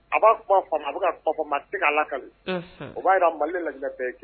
A b'a fɔ faama a bɛ ka fa fɔ ma se a la ka o b'a jira mali lajɛ bɛɛ kɛ